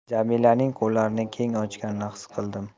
jamilaning qo'llarini keng ochganini xis qildim